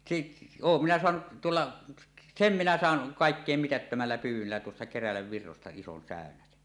sitten olen minä saanut tuolla sen minä sain kaikkein mitättömällä pyydöllä tuossa Kerälänvirroista ison säynäsen